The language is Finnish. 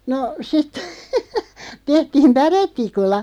no sitten tehtiin päretikulla